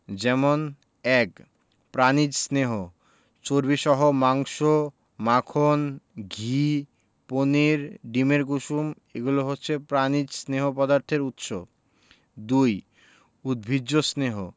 যেমন ১. প্রাণিজ স্নেহ চর্বিসহ মাংস মাখন ঘি পনির ডিমের কুসুম এগুলো হচ্ছে প্রাণিজ স্নেহ পদার্থের উৎস ২. উদ্ভিজ্জ স্নেহ